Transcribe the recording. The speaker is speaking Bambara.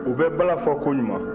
sɛbɛ la u bɛ bala fɔ koɲuman